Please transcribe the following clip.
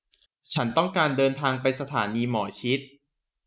ฉันต้องการเดินทางไปสถานีหมอชิต